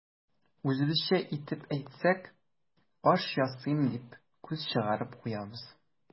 Үзебезчә итеп әйтсәк, каш ясыйм дип, күз чыгарып куябыз.